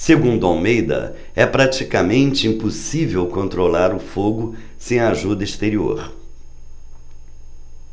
segundo almeida é praticamente impossível controlar o fogo sem ajuda exterior